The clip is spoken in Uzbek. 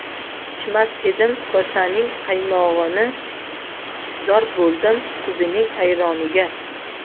ichmas edim kosaning qaymog'ini zor bo'ldim kubining ayroniga